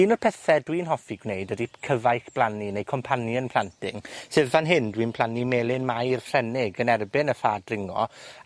Un o'r pethe dwi'n hoffi gwneud ydi cyfaill blannu neu companion planting, sydd fan hyn dwi'n plannu Melyn Mair Ffrenig yn erbyn y ffa dringo,